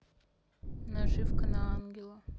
наживка на ангела